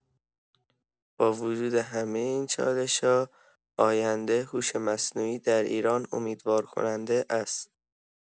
با وجود همه این چالش‌ها، آینده هوش مصنوعی در ایران امیدوارکننده است.